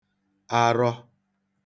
arọ